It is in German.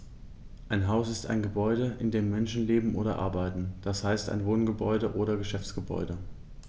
Ein Haus ist ein Gebäude, in dem Menschen leben oder arbeiten, d. h. ein Wohngebäude oder Geschäftsgebäude.